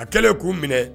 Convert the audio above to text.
A kɛlen k'u minɛ